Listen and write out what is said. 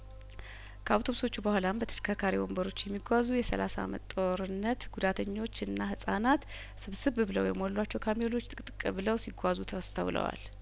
ከአውቶ ቢሶቹ በኋላም በተሽከርካሪ ወንበሮች የሚጓዙ የሰላሳ አመት ጦርነት ጉዳተኞች እና ህጻናት ስብስብ ብለው የሞሏቸው ካሚዮሎች ጥቅጥቅ ብለው ሲጓዙ ተስተውለዋል